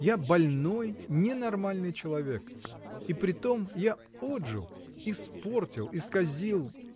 Я больной, ненормальный человек, и притом я отжил, испортил, исказил.